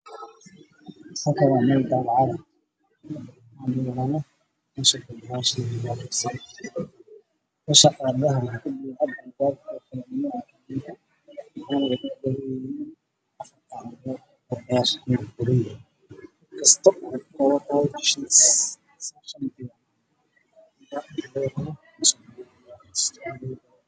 Meeshaan waa meel daabacaad ah